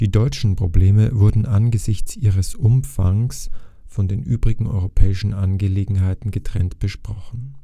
deutschen Probleme wurden angesichts ihres Umfangs von den übrigen europäischen Angelegenheiten getrennt besprochen